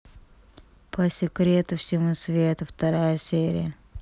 по секрету всему свету вторая серия